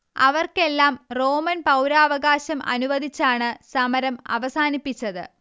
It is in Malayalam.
അവർക്കെല്ലാം റോമൻ പൗരാവകാശം അനുവദിച്ചാണ് സമരം അവസാനിപ്പിച്ചത്